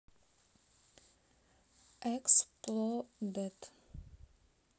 exploded